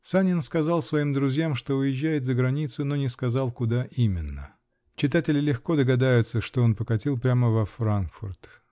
Санин сказал своим друзьям, что уезжает за границу, но не сказал, куда именно: читатели легко догадаются, что он покатил прямо во Франкфурт.